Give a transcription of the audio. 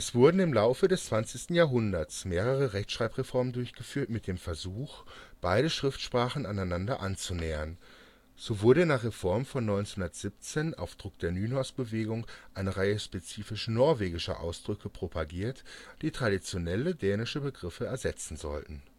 wurden im Laufe des 20. Jahrhunderts mehrere Rechtschreibreformen durchgeführt mit dem Versuch, beide Schriftsprachen einander anzunähern. So wurde in der Reform von 1917 auf Druck der Nynorsk-Bewegung eine Reihe spezifisch „ norwegischer “Ausdrücke propagiert, die traditionelle dänische Begriffe ersetzen sollten